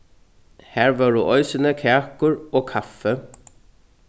har vóru eisini kakur og kaffi